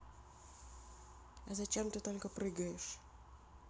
а зачем ты только прыгаешь